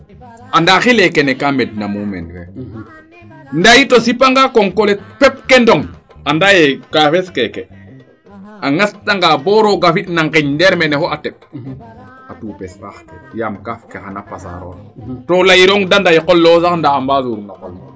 andaa xile kene kaa meɗ no mumeen fee ndaa yit o sipa nga konko le pep ke ndoŋ andaaye kaafes keeke a ŋas kanga bo rooga fi na mene ŋeñ ndeer mene fa a teɓ a tuupes faaxe yaam kaaf ke xana pasaaro to leyirong de ndey qol lewo sax nda amba suur no